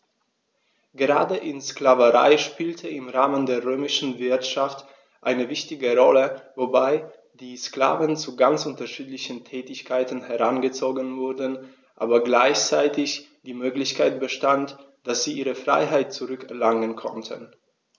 Gerade die Sklaverei spielte im Rahmen der römischen Wirtschaft eine wichtige Rolle, wobei die Sklaven zu ganz unterschiedlichen Tätigkeiten herangezogen wurden, aber gleichzeitig die Möglichkeit bestand, dass sie ihre Freiheit zurück erlangen konnten.